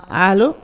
Aa